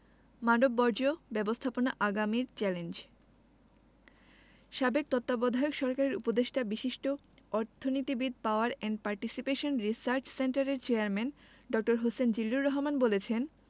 মানববর্জ্য ব্যবস্থাপনা আগামীর চ্যালেঞ্জ সাবেক তত্ত্বাবধায়ক সরকারের উপদেষ্টা বিশিষ্ট অর্থনীতিবিদ পাওয়ার অ্যান্ড পার্টিসিপেশন রিসার্চ সেন্টারের চেয়ারম্যান ড হোসেন জিল্লুর রহমান বলেছেন